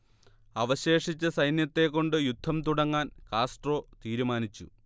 അവശേഷിച്ച സൈന്യത്തെക്കൊണ്ടു യുദ്ധം തുടങ്ങാൻ കാസ്ട്രോ തീരുമാനിച്ചു